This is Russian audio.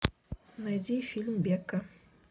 найди фильм бекка